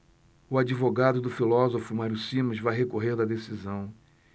o advogado do filósofo mário simas vai recorrer da decisão